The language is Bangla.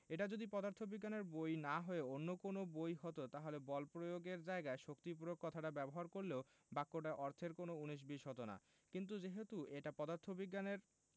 এটা যদি পদার্থবিজ্ঞানের বই না হয়ে অন্য কোনো বই হতো তাহলে বল প্রয়োগ এর জায়গায় শক্তি প্রয়োগ কথাটা ব্যবহার করলেও বাক্যটায় অর্থের কোনো উনিশ বিশ হতো না কিন্তু যেহেতু এটা পদার্থবিজ্ঞানের